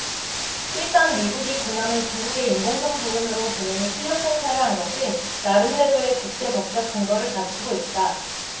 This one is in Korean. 일단 미국이 군함을 중국의 인공섬 부근으로 보내는 실력행사를 한 것은 나름대로의 국제법적 근거를 갖추고 있다